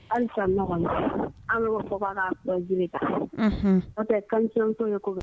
Halisa ne kɔni bolo